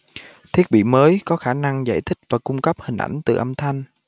thiết bị mới có khả năng giải thích và cung cấp hình ảnh từ âm thanh